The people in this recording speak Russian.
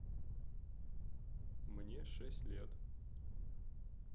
мне шесть лет